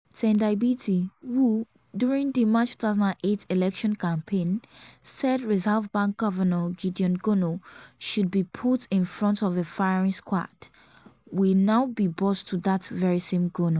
Tendai Biti who, during the March 2008 election campaign said Reserve Bank Governor Gideon Gono “should be put in front of a firing squad” will now be boss to that very same Gono.